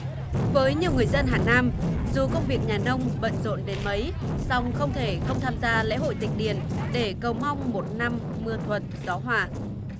với nhiều người dân hà nam dù công việc nhà nông bận rộn đến mấy song không thể không tham gia lễ hội tịch điền để cầu mong một năm mưa thuận gió hòa